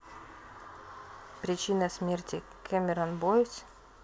причина смерти cameron boyce